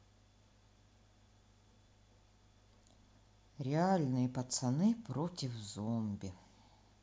текст жу жу